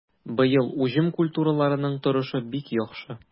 Быел уҗым культураларының торышы бик яхшы.